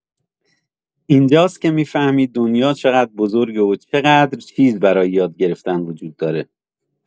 اینجاست که می‌فهمی دنیا چقدر بزرگه و چقدر چیز برای یاد گرفتن وجود داره.